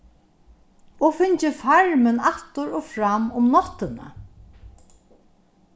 og fingið farmin aftur og fram um náttina